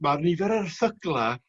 Ma'r nifer erthygla